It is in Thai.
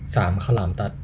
สามข้าวหลามตัด